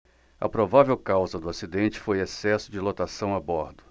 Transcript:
a provável causa do acidente foi excesso de lotação a bordo